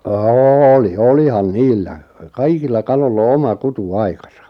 oli olihan niillä kaikilla kaloilla on oma kutuaikansa